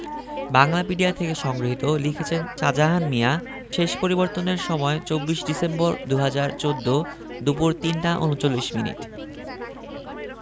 বাংলাপিডিয়া থেকে সংগৃহীত লিখেছেনঃ সাজাহান মিয়া শেষ পরিবর্তনের সময় ২৪ ডিসেম্বর ২০১৪ দুপুর ৩টা ৩৯মিনিট